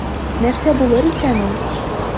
Нәрсә булыр икән ул?